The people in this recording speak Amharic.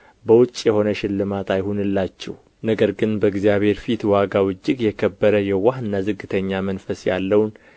በውጭ የሆነ ሽልማት አይሁንላችሁ ነገር ግን በእግዚአብሔር ፊት ዋጋው እጅግ የከበረ የዋህና ዝግተኛ መንፈስ ያለውን